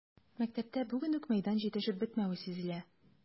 Мәктәптә бүген үк мәйдан җитешеп бетмәве сизелә.